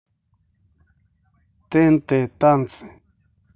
тнт танцы